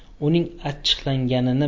uning achchiqlanganini